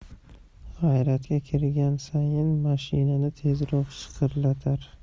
g'ayratga kirgan sayin mashinani tezroq shiqirlatar